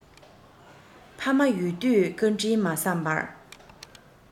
ཕ མ ཡོད དུས བཀའ དྲིན མ བསམས པར